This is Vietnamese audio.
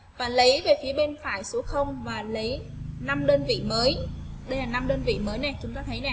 bạn lấy về phía bên phải số và lấy đơn vị mới